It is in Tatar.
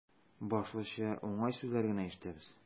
Башлыча, уңай сүзләр генә ишетәбез.